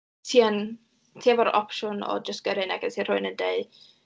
Ti yn... ti efo'r opsiwn o jyst gyrru neges i rhywun yn deud...